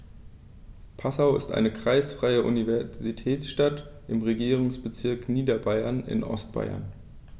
Passau ist eine kreisfreie Universitätsstadt im Regierungsbezirk Niederbayern in Ostbayern.